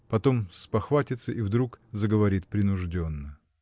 Потом спохватится и вдруг заговорит принужденно.